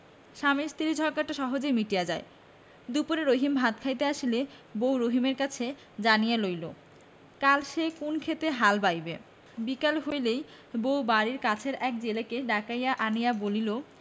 স্বামী স্ত্রীর ঝগড়া সহজেই মিটিয়া যায় দুপুরে রহিম ভাত খাইতে আসিলে বউ রহিমের কাছে জানিয়া লইল কাল সে কোন ক্ষেতে হাল বাহিবে বিকাল হইলে বউ বাড়ির কাছের এক জেলেকে ডাকিয়া আনিয়া বলিল